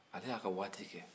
ale y'a ka waati kɛ